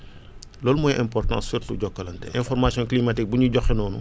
loolu mooy importance surtout Jokalante information climatique bu ñu joxe noonu